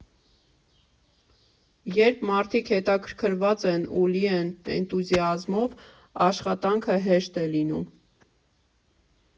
Երբ մարդիկ հետաքրքրված են ու լի էնտուզիազմով, աշխատանքը հեշտ է լինում։